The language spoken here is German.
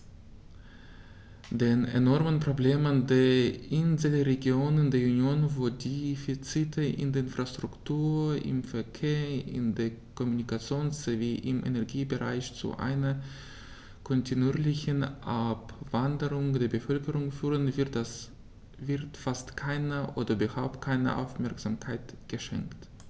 Den enormen Problemen der Inselregionen der Union, wo die Defizite in der Infrastruktur, im Verkehr, in der Kommunikation sowie im Energiebereich zu einer kontinuierlichen Abwanderung der Bevölkerung führen, wird fast keine oder überhaupt keine Aufmerksamkeit geschenkt.